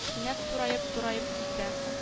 Кинәт тураеп-тураеп китә